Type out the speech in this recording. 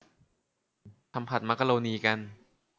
ทำผัดมักโรนีกัน